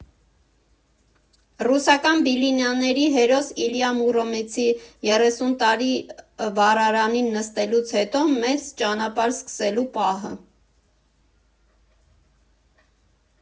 Ռուսական բիլինաների հերոս Իլյա Մուրոմեցի՝ երեսուն տարի վառարանին նստելուց հետո մեծ ճանապարհ սկսելու պահը…